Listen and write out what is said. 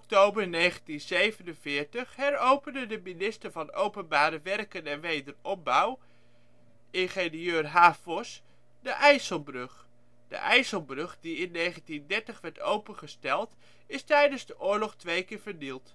Op 4 oktober 1947 heropende de Minister van Openbare Werken en Wederopbouw, ir. H. Vos, de IJsselbrug. De IJsselbrug die in 1930 werd opengesteld, is tijdens de oorlog twee keer vernield: